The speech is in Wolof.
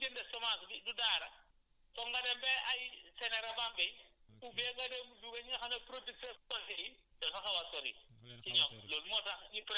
te fu ñu jëndee gré gert kii fu ñu jëndee semence bi du Daara foog nga dem ba ay CNRA Bambey oubien nga dem Louga ñi nga xam ne producteurs fonte yi dafa xaw a sori